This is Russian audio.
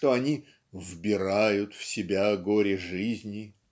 что они "вбирают в себя горе жизни"